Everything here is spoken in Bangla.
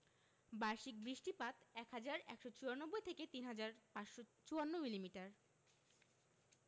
বার্ষিক বৃষ্টিপাত ১হাজার ১৯৪ থেকে ৩হাজার ৫৫৪ মিলিমিটার